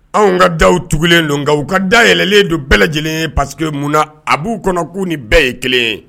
Anw ka da tugulen don nka u ka daɛlɛnlen don bɛɛ lajɛlen ye paski mun na a b' uu kɔnɔ k'u ni bɛɛ ye kelen ye